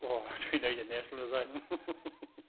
O, dwi'n dweud hynna ers blynyddoedd .